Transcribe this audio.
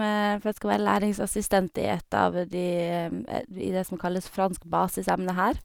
For jeg skal være læringsassistent i et av de i det som kalles fransk basisemne her.